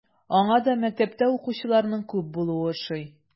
Аңа да мәктәптә укучыларның күп булуы ошый.